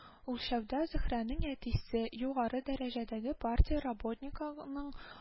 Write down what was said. Үлчәүдә зөһрәнең әтисе—югары дәрәҗәдәге партия работникыгының